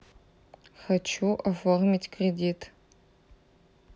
хочу оформить кредит